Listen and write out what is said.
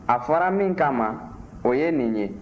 a fɔra min kama o ye nin ye